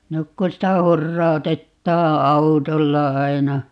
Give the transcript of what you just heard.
nyt kun sitä hurautetaan autolla aina